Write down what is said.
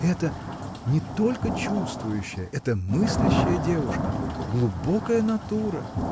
Это – не только чувствующая, это мыслящая девушка. глубокая натура.